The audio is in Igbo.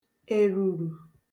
èrùrù